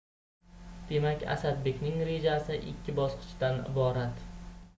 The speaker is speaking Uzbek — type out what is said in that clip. demak asadbekning rejasi ikki bosqichdan iborat